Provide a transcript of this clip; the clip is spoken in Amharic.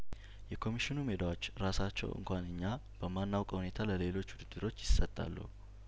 የኮሚሽኑ ሜዳዎች ራሳቸው እንኳን እኛ በማናውቀው ሁኔታ ለሌሎች ውድድሮች ይሰጣሉ